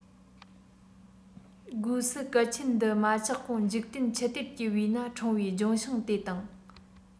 སྒོས སུ སྐལ ཆེན འདི མ ཆགས གོང འཇིག རྟེན ཆུ གཏེར གྱི དབུས ན འཁྲུངས པའི ལྗོན ཤིང དེ དང